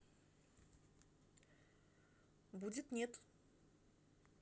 будет нет